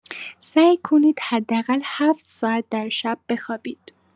سعی کنید حداقل ۷ ساعت در شب بخوابید.